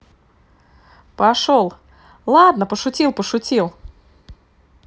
пошел ладно пошутил пошутил